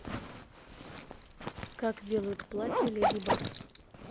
как делают платье леди баг